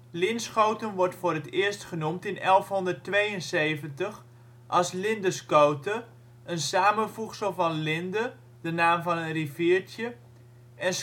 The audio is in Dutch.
Linschoten wordt voor het eerst genoemd in 1172 als Lindescote, een samenvoegsel van Linde (de naam van een riviertje) en scote